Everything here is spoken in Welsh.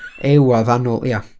Ewadd annwyl, ia.